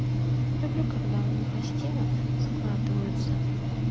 люблю когда у них гостила складываются